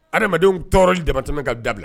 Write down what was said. Adamadamadenw tɔɔrɔ dama tɛmɛ ka dabila